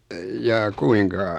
jaa kuinka